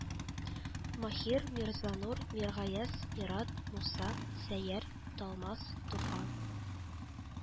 Маһир, Мирзанур, Миргаяз, Мират, Муса, Сәйяр, Талмас, Туфан